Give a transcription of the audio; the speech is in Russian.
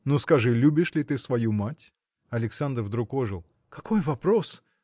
– Ну, скажи, любишь ли ты свою мать? Александр вдруг ожил. – Какой вопрос?